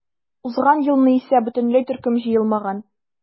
Узган елны исә бөтенләй төркем җыелмаган.